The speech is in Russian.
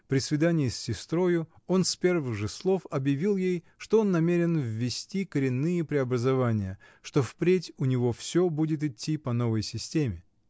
При свидании с сестрою он с первых же слов объявил ей, что он намерен ввести коренные преобразования, что впредь у него все будет идти по новой системе.